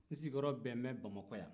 n sigirɔ bɛlen bɛ bamakɔ yan